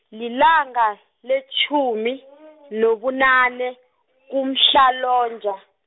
lilanga, letjhumi, nobunane, kuMhlolanja.